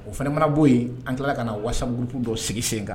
O fana mana'o yen an tila ka na wasanurufin dɔw sigi sen kan